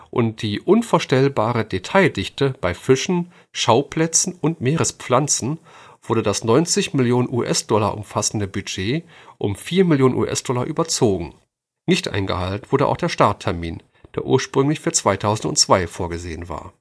und die unvorstellbare Detaildichte bei Fischen, Schauplätzen und Meerespflanzen wurde das 90 Millionen US-Dollar umfassende Budget um vier Millionen US-Dollar überzogen. Nicht eingehalten wurde auch der Starttermin, der ursprünglich für 2002 vorgesehen war